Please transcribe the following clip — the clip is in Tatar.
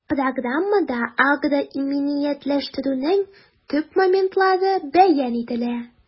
Программада агроиминиятләштерүнең төп моментлары бәян ителә.